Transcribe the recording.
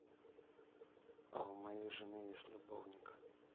а у моей жены есть любовник